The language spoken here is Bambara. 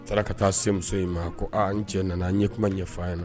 A taara ka taa se muso in ma. Ko a n cɛ nana, n ye kuma ɲɛfɔ a ɲɛna .